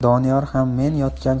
doniyor ham men yotgan